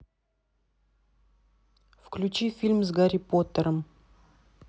включи фильм с гарри поттером